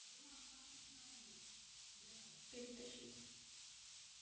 перетащить